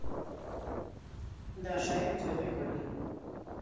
да шарик у тебя прикольный